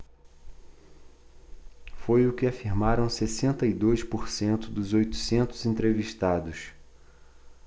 foi o que afirmaram sessenta e dois por cento dos oitocentos entrevistados